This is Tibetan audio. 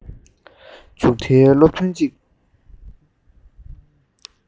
མཇུག མཐའི སློབ ཐུན གཅིག